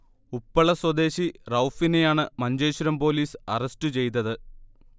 ഉപ്പള സ്വദേശി റഊഫിനെയാണ് Manjeshwaram police arrest ചെയ്തത്